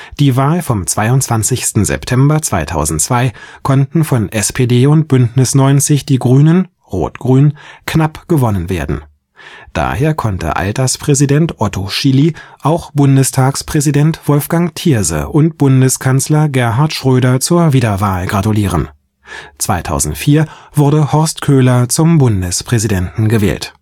Die Wahl vom 22. September 2002 konnten von SPD und Bündnis 90/Die Grünen (rot-grün) knapp gewonnen werden. Daher konnte Alterspräsident Otto Schily auch Bundestagspräsident Wolfgang Thierse und Bundeskanzler Gerhard Schröder zur Wiederwahl gratulieren. 2004 wurde Horst Köhler zum Bundespräsidenten gewählt